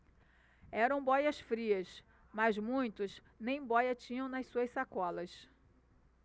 eram bóias-frias mas muitos nem bóia tinham nas suas sacolas